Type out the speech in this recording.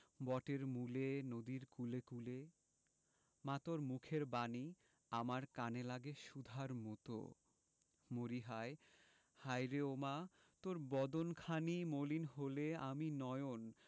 বটের মূলে নদীর কূলে কূলে মা তোর মুখের বাণী আমার কানে লাগে সুধার মতো মরিহায় হায়রে ও মা তোর বদন খানি মলিন হলে আমি নয়ন